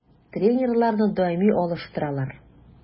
Тренерларны даими алыштыралар.